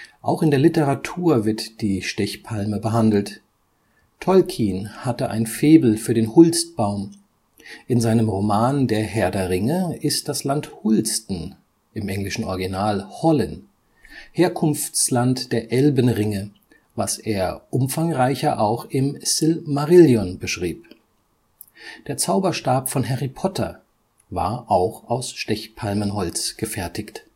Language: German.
Auch in der Literatur wird die Stechpalme behandelt. J. R. R. Tolkien hatte ein Faible für den Hulstbaum; in seinem Roman Der Herr der Ringe ist das Land Hulsten (Hollin im englischen Original) Herkunftsland der Elbenringe, was er umfangreicher auch im Silmarillion beschrieb. Der Zauberstab von Harry Potter war aus Stechpalmenholz gefertigt